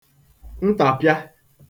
ntàpịa